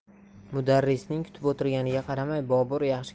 mudarrisning kutib o'tirganiga qaramay bobur yaxshi